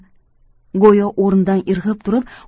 go'yo o'rnidan irg'ib turib